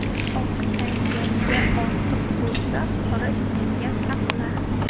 oq tangang ortiq bo'lsa qora kuningga saqla